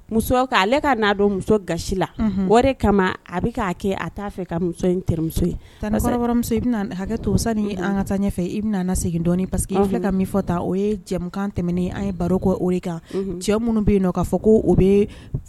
Muso muso gasi la de kama a a t' fɛ ka musomuso ye tanmuso hakɛ tosan an ka taafɛ i bɛna segin dɔɔnin paseke filɛ ka min fɔ ta o ye cɛkan tɛmɛnen an ye baro kɔ o de kan cɛ minnu bɛ yen k kaa fɔ ko bɛ